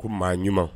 Ko maa ɲuman